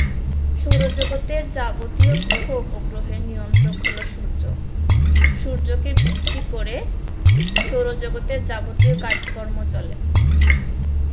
সৌরজগতের যাবতীয় গ্রহউপগ্রহের নিয়ন্ত্রক হলো সূর্য সূর্যকে ভিত্তি করে সৌরজগতের যাবতীয় কাজকর্ম চলে